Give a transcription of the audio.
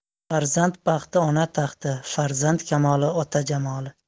farzand baxti ona taxti farzand kamoli ota jamoli